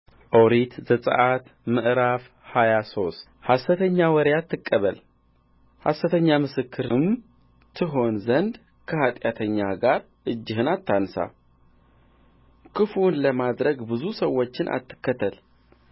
ኦሪት ዘጽአት ምዕራፍ ሃያ ሶስት ሐሰተኛ ወሬ አትቀበል ሐሰተኛ ምስክርም ትሆን ዘንድ ከኃጢአተኛ ጋር እጅህን አታንሣ ክፉውን ለማድረግ ብዙ ሰዎችን አትከተል